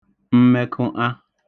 mmek̇ụṫa